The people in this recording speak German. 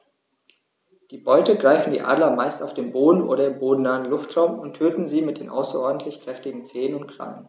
Die Beute greifen die Adler meist auf dem Boden oder im bodennahen Luftraum und töten sie mit den außerordentlich kräftigen Zehen und Krallen.